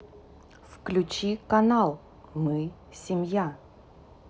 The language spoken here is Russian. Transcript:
включи канал мы семья